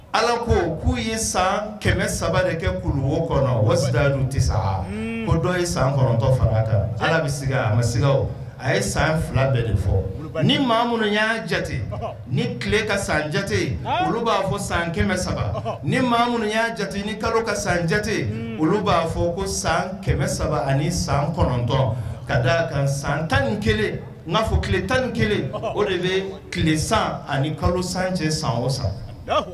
Ala ko k'u ye san kɛmɛ saba de kɛ kulu wo kɔnɔ tɛ sa o dɔ ye san kɔnɔntɔn fana kan ala bɛ se ma s a ye san fila bɛɛ de fɔ ni maa minnu y' jate ni tile ka san jate olu b'a fɔ san kɛmɛ saba ni minnuya jate ni kalo ka san jate olu b'a fɔ ko san kɛmɛ saba ani san kɔnɔntɔn ka d kan san tan ni kelen n'a fɔ tile tan ni kelen o de bɛ tile san ani kalo san cɛ san o san